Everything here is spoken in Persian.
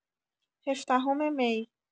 هفدهم می